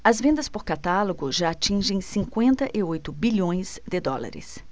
as vendas por catálogo já atingem cinquenta e oito bilhões de dólares